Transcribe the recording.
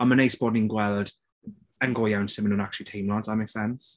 Ond mae'n neis bod ni'n gweld yn go iawn sut maen nhw'n acshyli teimlo, does that make sense?